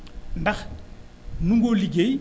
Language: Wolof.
ndax nangoo liggéey